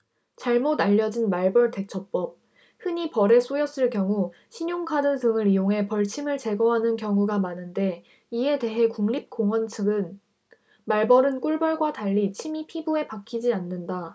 잘못 알려진 말벌 대처법흔히 벌에 쏘였을 경우 신용카드 등을 이용해 벌침을 제거하는 경우가 많은데 이에 대해 국립공원 측은 말벌은 꿀벌과 달리 침이 피부에 박히지 않는다